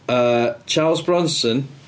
Yy Charles Bronson.